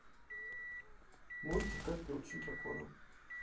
мультик как приучить дракона